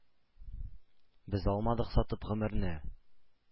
Без алмадык сатып гомерне,